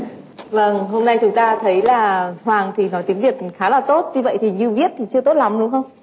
vâng hôm nay chúng ta thấy là hoàng thì nói tiếng việt khá là tốt tuy vậy thì như viết thì chưa tốt lắm đúng không